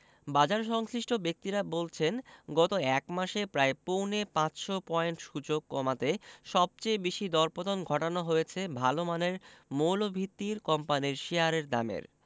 বাজারসংশ্লিষ্ট ব্যক্তিরা বলছেন গত এক মাসে প্রায় পৌনে ৫০০ পয়েন্ট সূচক কমাতে সবচেয়ে বেশি দরপতন ঘটানো হয়েছে ভালো মানের মৌলভিত্তির কোম্পানির শেয়ারের দামের